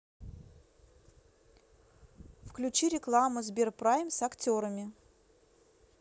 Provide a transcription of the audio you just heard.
включи рекламу сберпрайм с актерами